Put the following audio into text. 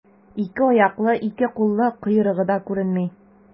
Ике аяклы, ике куллы, койрыгы да күренми.